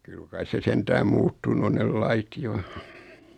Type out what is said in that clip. kyllä kai se sentään muuttunut on ne lait jo